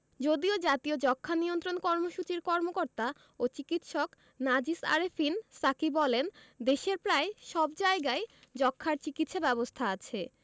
যদিও জাতীয় যক্ষ্মা নিয়ন্ত্রণ কর্মসূচির কর্মকর্তা ও চিকিৎসক নাজিস আরেফিন সাকী বলেন দেশের প্রায় সব জায়গায় যক্ষ্মার চিকিৎসা ব্যবস্থা আছে